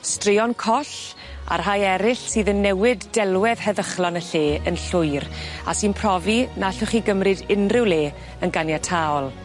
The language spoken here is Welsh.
Straeon coll a rhai eryll sydd yn newid delwedd heddychlon y lle yn llwyr a sy'n profi na allwch chi gymryd unryw le yn ganiataol.